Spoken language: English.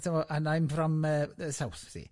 So, and I'm from the South, see.